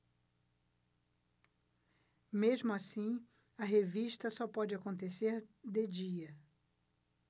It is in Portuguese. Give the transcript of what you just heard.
mesmo assim a revista só pode acontecer de dia